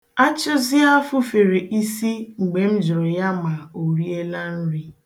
Achụzịa fufere isi mgbe m jụrụ ya ma o riela nri.